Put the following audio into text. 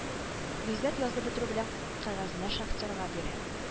Гыйззәт язып бетерү белән кәгазьне шахтерга бирә